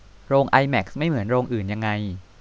โรงไอแม็กซ์ไม่เหมือนโรงอื่นยังไง